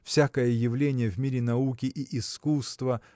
Всякое явление в мире науки и искусства